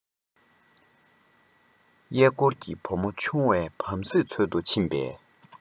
གཡས བསྐོར གྱིས བུ མོ ཆུང བ བམ སྲིད འཚོལ དུ ཕྱིན པར